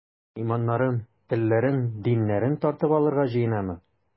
Иманнарын, телләрен, диннәрен тартып алырга җыенамы?